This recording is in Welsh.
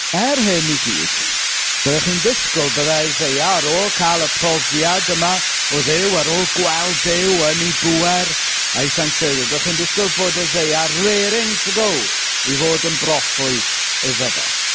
Er hyn i gyd, byddech chi'n disgwyl bydde Eseia, ar ôl cael y profiad yma o Dduw, ar ôl gweld Duw yn ei bŵer a'i sancteiddrwydd, byddech chi'n disgwyl bod Eseia rearing to go i fod yn broffwyd iddo fe.